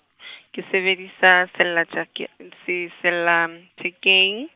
ke se be di sa sellathake-, se sellathekeng.